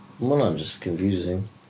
Mae hwnna'n jyst confusing.